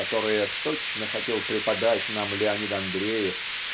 которое точно хотел преподать нам Леонид Андреев